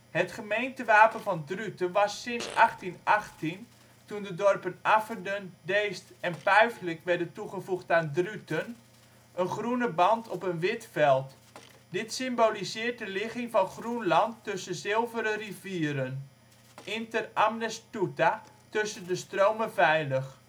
Het gemeentewapen van Druten was sinds 1818, toen de dorpen Afferden, Deest en Puiflijk werden toegevoegd aan Druten, een groene band op een wit veld. Dit symboliseert de ligging van groen land tussen zilveren rivieren: ' Inter amnes tuta ' (tussen de stromen veilig